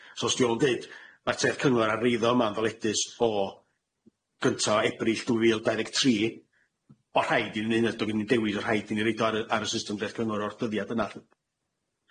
So os dio'n deud ma'r treth cyngor ar eiddo yma'n ddaledus o gynta o Ebrill dwy fil dau ddeg tri, o rhaid i ni neud o gynnyn dewis o rhaid i ni roid o ar y ar y system dreth cyngor o'r dyddiad yna lly.